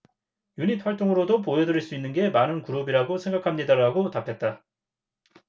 유닛 활동으로도 보여드릴 수 있는 게 많은 그룹이라고 생각합니다라고 답했다